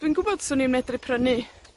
dwi'n gwbod 'swn i medru prynu